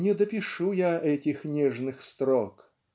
"не допишу я этих нежных строк"